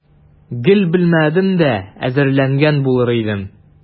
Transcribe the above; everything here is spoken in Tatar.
Гел белмәдем дә, әзерләнгән булыр идем.